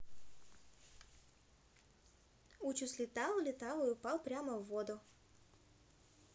uchus летал летал и упал прямо в воду